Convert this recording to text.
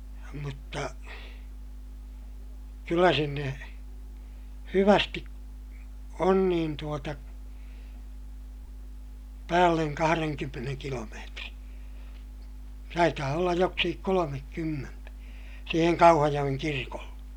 mutta kyllä sinne hyvästi on niin tuota päälle kahdenkymmenen kilometrin taitaa olla joksikin kolmekymmentä siihen Kauhajoen kirkolle